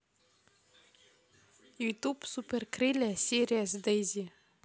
ютуб супер крылья серия с дейзи